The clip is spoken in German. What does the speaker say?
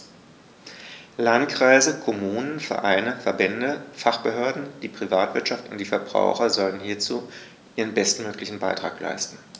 Landkreise, Kommunen, Vereine, Verbände, Fachbehörden, die Privatwirtschaft und die Verbraucher sollen hierzu ihren bestmöglichen Beitrag leisten.